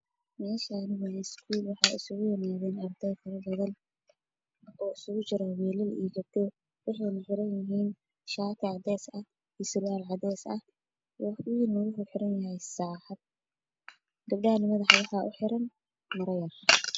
Meeshaan waa iskuul waxa isugu yimaadeen arday farabadan wiilal iyo gabdho waxayna xiranyihiin shaati caddees ah ah iyo surwaal caddeys ah midkan waxaa xiran yahay saacad gabdhahana madaxa waxaa ugu xiran mara yar